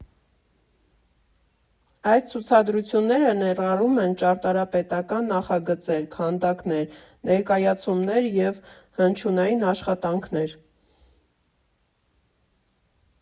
Այս ցուցադրությունները ներառում են ճարտարապետական նախագծեր, քանդակներ, ներկայացումներ և հնչյունային աշխատանքներ։